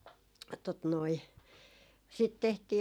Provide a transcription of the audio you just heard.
tuota noin sitten tehtiin